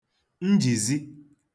njìzi